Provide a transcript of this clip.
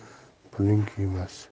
ber puling kuymas